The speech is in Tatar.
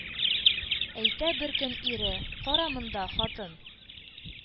Әйтә бер көн Ире: «Кара монда, Хатын! —